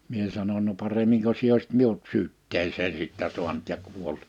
minä sanoin no paremmin sinä olisit minut syytteeseen sitten saanut ja kuollut